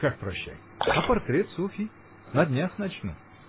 — Как прощай: а портрет Софьи?. На днях начну.